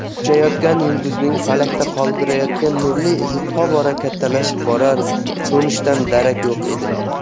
uchayotgan yulduzning falakda qoldirayotgan nurli izi tobora kattalashib borar so'nishidan darak yo'q edi